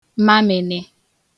mamị̄nị̄